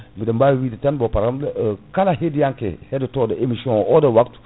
biɗa bawi wide tan * kala heɗiyanke heɗotoɗo émission oɗo waptu